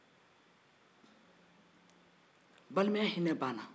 balimaya hinɛ banna